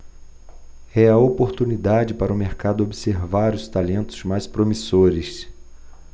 é a oportunidade para o mercado observar os talentos mais promissores